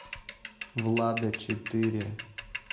влада четыре